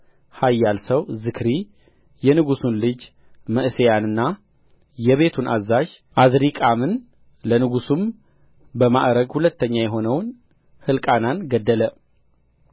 ኃያል ሰው ዝክሪ የንጉሡን ልጅ መዕሤያንና የቤቱን አዛዥ ዓዝሪቃምን ለንጉሡም በማዕርግ ሁለተኛ የሆነውን ሕልቃናን ገደለ